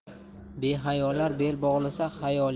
behayolar bel bog'lasa